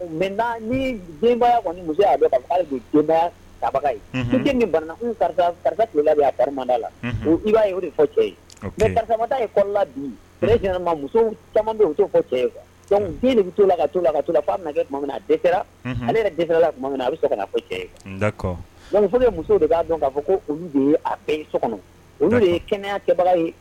Karisa la mɛ karisa bi muso camano fɔ cɛ de bɛ to la tuma min na a ale yɛrɛ tuma min na a bɛ cɛ muso de b'a dɔn k'a fɔ ko olu so kɔnɔ olu de ye kɛnɛya